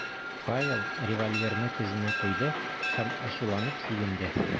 Павел револьверны тезенә куйды һәм ачуланып сүгенде .